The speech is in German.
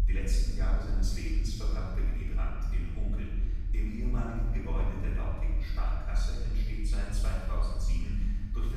letzten Jahre seines Lebens verbrachte Willy Brandt in Unkel. Im ehemaligen Gebäude der dortigen Sparkasse entsteht seit 2007 durch